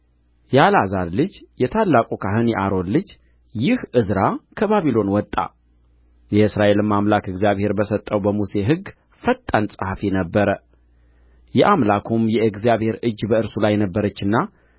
የአልዓዛር ልጅ የታላቁ ካህን የአሮን ልጅ ይህ ዕዝራ ከባቢሎን ወጣ የእስራኤልም አምላክ እግዚአብሔር በሰጠው በሙሴ ሕግ ፈጣን ጸሐፊ ነበረ የአምላኩም የእግዚአብሔር እጅ በእርሱ ላይ ነበረችና